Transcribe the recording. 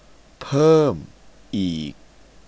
เพิ่มอีก